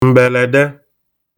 m̀bèlède